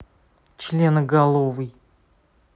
членоголовый